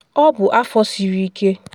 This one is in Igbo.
Ọ bụ afọ siri ike.